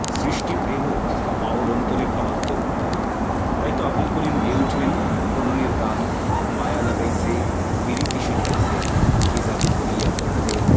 সৃষ্টি প্রেম ও বাউল অন্তরে ভাবান্তর ঘটায় তাইতো আব্দুল করিম গেয়ে ওঠেন প্রনয়ের গান মায়া লাগাইছে পিরিতি শিখাইছে কি জাদু করিয়া বন্ধে